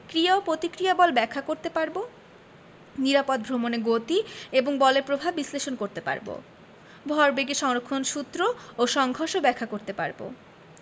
ক্রিয়া ও পতিক্রিয়া বল ব্যাখ্যা করতে পারব নিরাপদ ভ্রমণে গতি এবং বলের প্রভাব বিশ্লেষণ করতে পারব ভরবেগের সংরক্ষণ সূত্র ও সংঘর্ষ ব্যাখ্যা করতে পারব